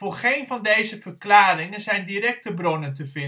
geen van deze verklaringen zijn directe bronnen te vinden